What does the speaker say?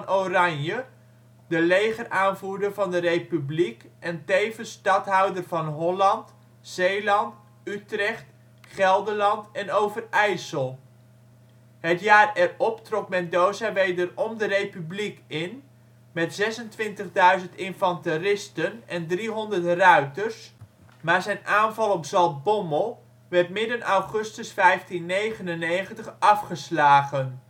Oranje, de legeraanvoerder van de Republiek en tevens stadhouder van Holland, Zeeland, Utrecht, Gelderland en Overijssel. Het jaar erop trok Mendoza wederom de Republiek in met 26.000 infanteristen en 300 ruiters, maar zijn aanval op Zaltbommel werd midden augustus 1599 afgeslagen